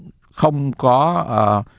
không có ờ